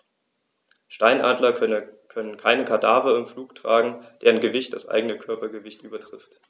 Steinadler können keine Kadaver im Flug tragen, deren Gewicht das eigene Körpergewicht übertrifft.